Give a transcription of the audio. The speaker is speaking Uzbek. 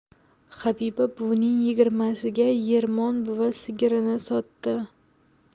habiba buvining yigirmasiga ermon buva sigirini sotdi